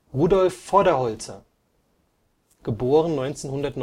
Rudolf Voderholzer (* 1959